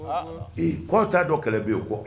Ee k'aw t'a dɔn kɛlɛ bɛ o kɔ